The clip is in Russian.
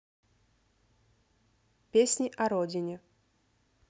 песни о родине